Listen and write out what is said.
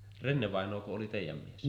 Renne-vainajako oli teidän mies